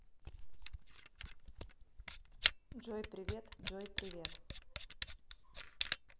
джой привет джой привет